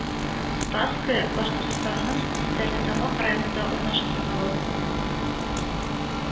Спасское Башкортстанның Стәрлетамак районында урнашкан авыл